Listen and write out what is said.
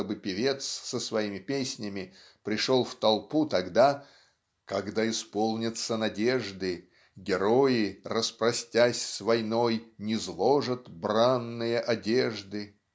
чтобы певец со своими песнями пришел в толпу тогда Когда исполнятся надежды Герои распростясь с войной Низложат бранные одежды.